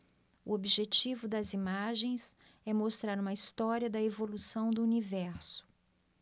o objetivo das imagens é mostrar uma história da evolução do universo